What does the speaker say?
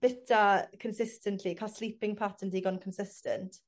bita consistently ca'l sleeping pattern digon consistent.